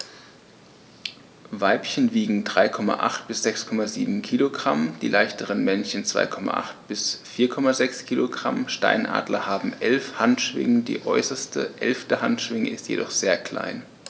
Weibchen wiegen 3,8 bis 6,7 kg, die leichteren Männchen 2,8 bis 4,6 kg. Steinadler haben 11 Handschwingen, die äußerste (11.) Handschwinge ist jedoch sehr klein.